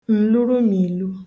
ǹlurumìlu